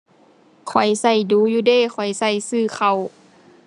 ข้อยใช้ดู๋อยู่เดะ ข้อยใช้ซื้อข้าว